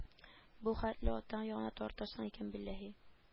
Бу хәтле атаң ягына тартырсың икән билләһи